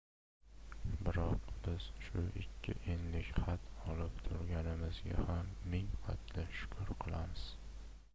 biroq biz shu ikki enlik xat olib turganimizga ham ming qatla shukr qilamiz